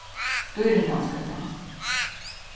dýrindalsgøta